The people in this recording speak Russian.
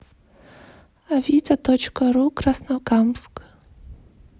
авито точка ру краснокамск